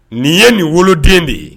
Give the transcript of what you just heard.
Nin ye nin woloden de ye